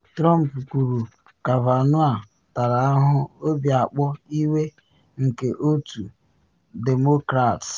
Trump kwuru Kavanaugh “tara ahụhụ, obi akpọ, iwe” nke Otu Demokrats